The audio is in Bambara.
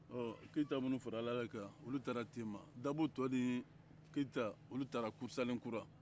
ɔ keyita minnu farala ale kan olu taara tema dabo tɔ ni keyita olu taara kurusalenkura